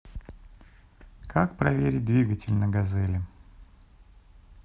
как проверить двигатель на газели